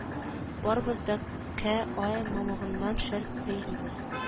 Барыбыз да кә ә мамыгыннан шәл бәйлибез